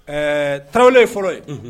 Ɛɛ tarawele ne ye fɔlɔ ye